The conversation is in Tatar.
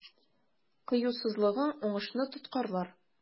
Кыюсызлыгың уңышны тоткарлар.